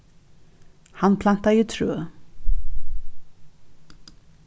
hann plantaði trø